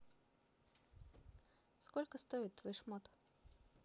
сколько стоит твой шмот